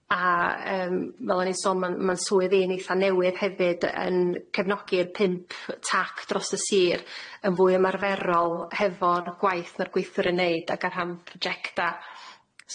A yym fel o'n i'n sôn ma'n ma'n swydd i'n eitha newydd hefyd yn cefnogi'r pump tac dros y sir yn fwy ymarferol hefo'r gwaith ma'r gweithwyr yn neud ag ar rhan projecta.